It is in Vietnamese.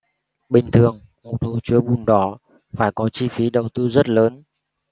bình thường một hồ chứa bùn đỏ phải có chi phí đầu tư rất lớn